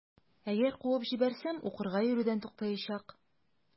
Әгәр куып җибәрсәм, укырга йөрүдән туктаячак.